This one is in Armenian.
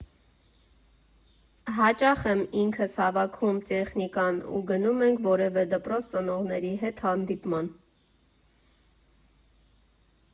Հաճախ եմ ինքս հավաքում տեխնիկան ու գնում ենք որևէ դպրոց՝ ծնողների հետ հանդիպման։